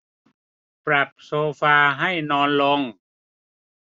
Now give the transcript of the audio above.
ปรับโซฟาให้นอนลง